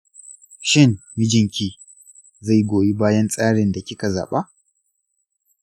shin mijinki zai goyi bayan tsarin da kika zaɓa?